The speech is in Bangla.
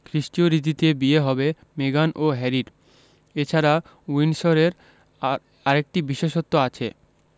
খ্রিষ্টীয় রীতিতে বিয়ে হবে মেগান ও হ্যারির এ ছাড়া উইন্ডসরের আরেকটি বিশেষত্ব আছে